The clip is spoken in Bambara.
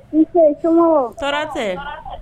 Nse tɔɔrɔ tɛ